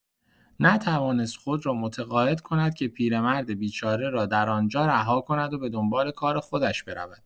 نتوانست خود را متقاعد کند که پیرمرد بیچاره را در آن‌جا رها کند و به‌دنبال کار خودش برود.